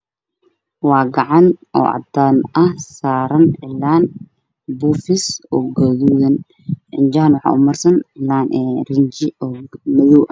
Waa gacan oo cadaan ah saaran cilaan oo buufis ah oo gaduud cidiyahana waxaa u marsan rinji oo madoow ah